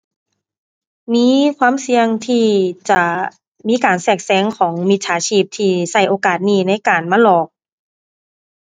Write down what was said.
มีความเสี่ยงที่จะ มีการแทรกแซงของมิจฉาชีพ ที่ใช้โอกาสนี้ในการมาหลอก